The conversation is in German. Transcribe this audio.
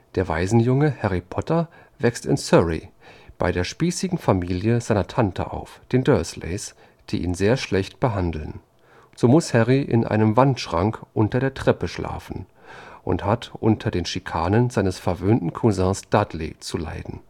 Der Waisenjunge Harry Potter wächst in Surrey bei der spießigen Familie seiner Tante auf, den Dursleys, die ihn sehr schlecht behandeln. So muss Harry in einem Wandschrank unter der Treppe schlafen und hat unter den Schikanen seines verwöhnten Cousins Dudley zu leiden